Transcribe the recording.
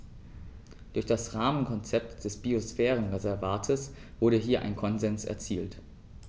Durch das Rahmenkonzept des Biosphärenreservates wurde hier ein Konsens erzielt.